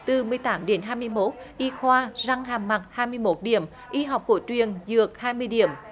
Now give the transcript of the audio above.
từ mười tám đến hai mươi mốt y khoa răng hàm mặt hai mươi mốt điểm y học cổ truyền dược hai mươi điểm